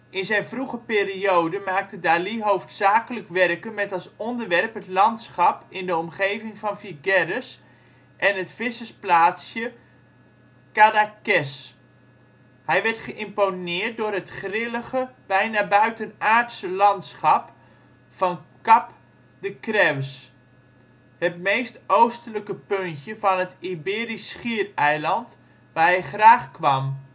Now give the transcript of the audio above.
In zijn vroege periode maakte Dalí hoofdzakelijk werken met als onderwerp het landschap in de omgeving van Figueres en het vissersplaatsje Cadaqués. Hij werd geïmponeerd door het grillige, bijna buitenaardse landschap van Cap de Creus, het meest oostelijke puntje van het Iberisch Schiereiland waar hij graag kwam